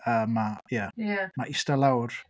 Yym a ia... ia. ...ma' ista lawr...